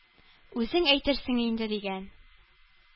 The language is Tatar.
Үзең әйтерсең инде,— дигән.